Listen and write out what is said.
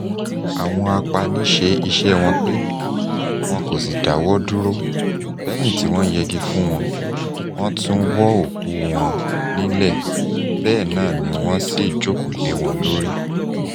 Àwọn apani ṣe iṣẹ́ wọn pé, wọn kò sì dáwọ́ dúró lẹ́yìn tí wọ́n yẹgi fún wọn, wọ́n tún wọ́ òkúu wọn nílẹ̀ bẹ́ẹ̀ náà ni wọ́n sì ń jókòó lé wọn lórí.